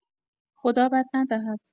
خدا بد ندهد؟!